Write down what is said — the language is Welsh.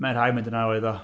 Mae'n rhaid mai dyna oedd o.